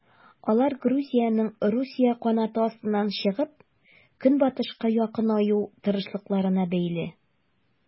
Алар Грузиянең Русия канаты астыннан чыгып, Көнбатышка якынаю тырышлыкларына бәйле.